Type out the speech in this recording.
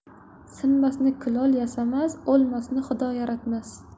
sinmasni kulol yasamas o'lmasni xudo yaratmas